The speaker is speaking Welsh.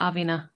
A finna'.